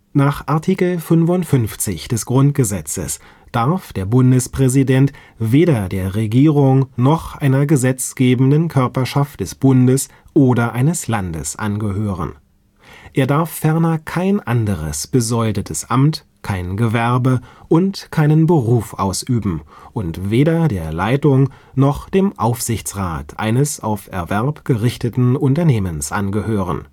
Nach Art. 55 des Grundgesetzes darf der Bundespräsident weder der Regierung noch einer gesetzgebenden Körperschaft des Bundes oder eines Landes angehören. Er darf ferner kein anderes besoldetes Amt, kein Gewerbe und keinen Beruf ausüben und weder der Leitung noch dem Aufsichtsrat eines auf Erwerb gerichteten Unternehmens angehören